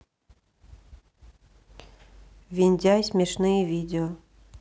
виндяй смешные видео